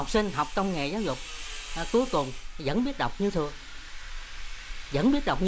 học sinh học công nghệ giáo dục và cuối cùng dẫn biết đọc như thường dẫn biết đọc